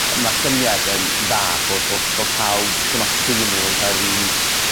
yy ma'r syniad yn yn dda bod bo' bo' pawb sim ots pwy 'yn n'w yn ca'l yr un